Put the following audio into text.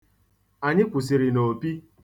Anyị kwụsịrị n'Opi.